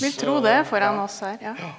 vil tro det foran oss her ja.